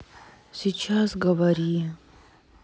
сейчас говори